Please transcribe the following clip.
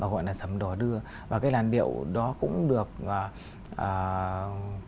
và gọi là sắm đò đưa và cái làn điệu đó cũng được à à